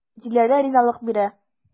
Диләрә ризалык бирә.